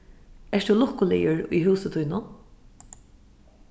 ert tú lukkuligur í húsi tínum